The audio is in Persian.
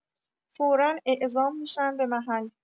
فورا اعزام می‌شن به محل